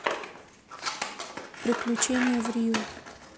приключения в рио